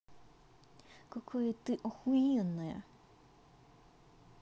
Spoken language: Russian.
какая ты охуенная